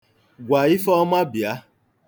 Gwa Ifeọma bịa.